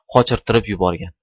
qochirtirib yuborgan